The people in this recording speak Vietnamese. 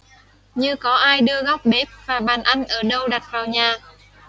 như có ai đưa góc bếp và bàn ăn ở đâu đặt vào nhà